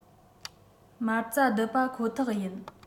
མ རྩ རྡིབ པ ཁོ ཐག ཡིན